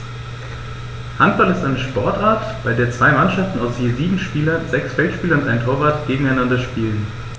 Handball ist eine Sportart, bei der zwei Mannschaften aus je sieben Spielern (sechs Feldspieler und ein Torwart) gegeneinander spielen.